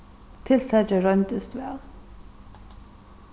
tiltakið royndist væl